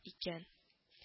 Икән